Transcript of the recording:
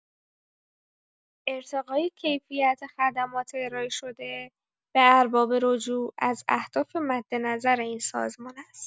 ارتقای کیفیت خدمات ارائه‌شده به ارباب‌رجوع، از اهداف مدنظر این سازمان است.